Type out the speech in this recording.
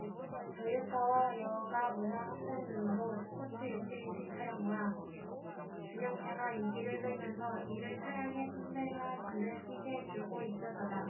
저유가와 여가문화 확산 등으로 스포츠유틸리티차량과 중형차가 인기를 끌면서 이들 차량의 판매가 눈에 띄게 줄고 있어서다